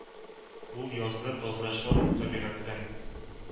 Ул, язгы, таза, шат табигатьтән